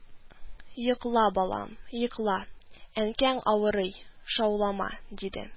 – йокла, балам, йокла, әнкәң авырый, шаулама, – диде